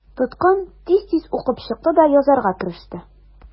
Тоткын тиз-тиз укып чыкты да язарга кереште.